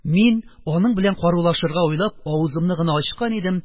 Мин аның белән карулашырга уйлап авызымны гына ачкан идем,